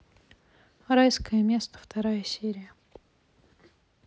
райское место вторая серия